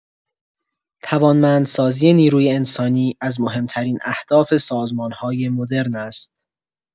توانمندسازی نیروی انسانی از مهم‌ترین اهداف سازمان‌های مدرن است.